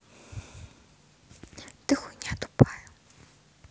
ты хуйня тупая